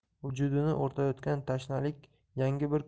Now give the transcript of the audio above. vujudini o'rtayotgan tashnalik yangi